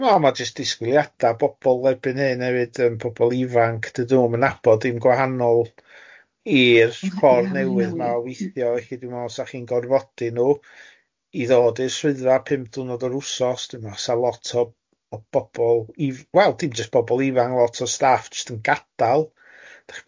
O ma' jyst disgwyliada bobl erbyn hyn hefyd yym pobol ifanc dydyn nhw ddim yn nabod dim gwahanol i'r ffordd newydd yma o withio felly dwi'n meddwl os dach chi'n gorfodi nhw i ddod i'r swyddfa pump diwrnod yr wsos, dwi'n meddwl sa lot o o bobol if- wel dim jyst bobl ifanc, lot o staff jyst yn gadal.